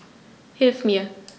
Hilf mir!